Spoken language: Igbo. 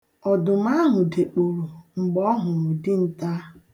Ọdụm ahụ dekporo mgbe ọ hụrụ dinta.